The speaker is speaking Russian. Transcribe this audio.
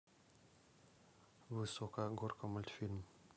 высокая горка мультфильм